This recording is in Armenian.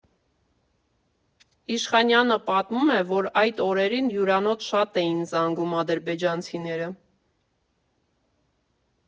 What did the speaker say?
Իշխանյանը պատմում է, որ այդ օրերին հյուրանոց շատ էին զանգում ադրբեջանցիները.